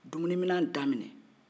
dumunimina da minɛ